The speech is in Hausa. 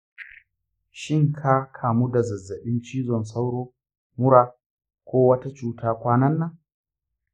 shin ka kamuda zazzabin cizon sauro, mura, ko wata cuta kwanan nan?